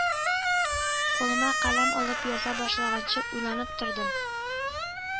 Кулыма каләм алып яза башлаганчы уйланып тордым